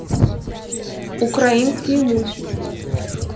украинские мультики